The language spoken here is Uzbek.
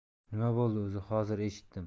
nima bo'ldi o'zi hozir eshitdim